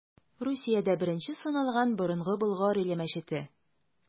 Русиядә беренче саналган Борынгы Болгар иле мәчете.